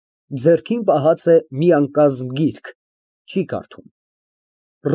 Ձեռքին պահած է մի անկազմ գիրք։ Չի կարդում)։